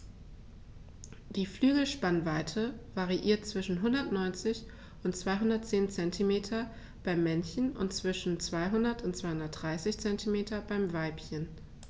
Die Flügelspannweite variiert zwischen 190 und 210 cm beim Männchen und zwischen 200 und 230 cm beim Weibchen.